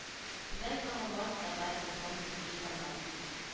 Түбән кама март татар информ сергей толмацкий